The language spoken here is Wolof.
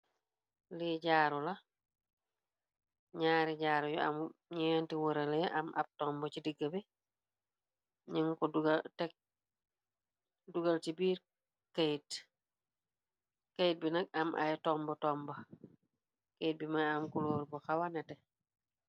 Li jaaru la ñaari jaaru yu am ñyeenti wëralee am ab tombo ci digga bi ning ko dugal ci biir kkayt bi nag am ay tomb tomb kayit bi ma am kulóor bu xawa nete.